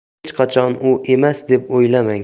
hech qachon u emas deb o'ylamang